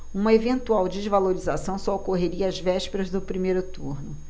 uma eventual desvalorização só ocorreria às vésperas do primeiro turno